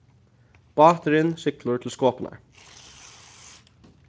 báturin siglir til skopunar